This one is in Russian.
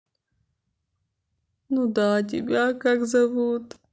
ну да а тебя как зовут